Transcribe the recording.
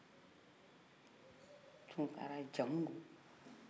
tunkara jamun don tɔgɔ don siyan don